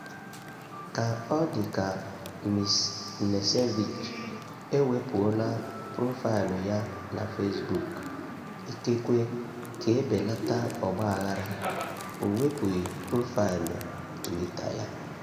Ka ọ dị ka Ms. Knežević ewepụọla profaịlụ ya na Facebook, ikekwe ka e belata ọgbaaghara, o wepụghị profaịlụ Twitter ya.